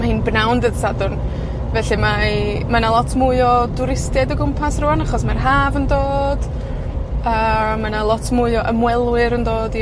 Ma' hi'n bnawn dydd Sadwrn. Felly, mae, mae 'na lot mwy o dwristiaid o gwmpas rŵan, achos mae'r Haf yn dod, a mae 'na lot mwy o ymwelwyr yn dod i